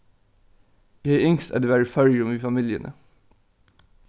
eg hevði ynskt at eg var í føroyum við familjuni